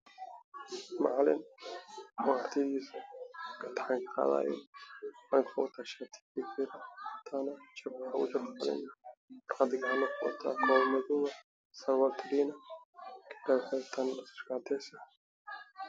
Meeshan waxaa taagan macallin ilaalinaya imtixaan oo wata shaah caddeys ah su-aal haddays ah wuxuuna ilaalinayaa gabdho jaamacadda ahna qabo